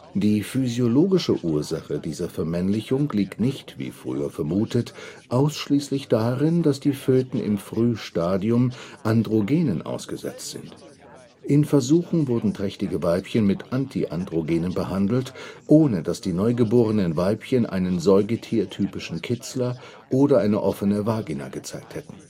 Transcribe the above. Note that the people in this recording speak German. Die physiologische Ursache dieser „ Vermännlichung “liegt nicht – wie früher vermutet – ausschließlich darin, dass die Föten im Frühstadium Androgenen ausgesetzt sind. In Versuchen wurden trächtige Weibchen mit Anti-Androgenen behandelt, ohne dass die neugeborenen Weibchen einen säugetiertypischen Kitzler oder eine offene Vagina gezeigt hätten